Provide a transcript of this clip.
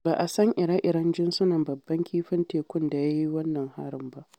Ba a san ire-iren jinsunan babban kifin tekun da ya yi wannan harin ba.